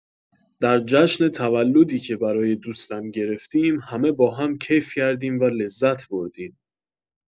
در جشن تولدی که برای دوستم گرفتیم، همه با هم کیف کردیم و لذت بردیم.